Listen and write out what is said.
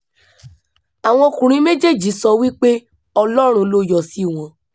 Àwọn ọkùnrin méjèèjì sọ wípé Ọlọ́run ló yọ sí àwọn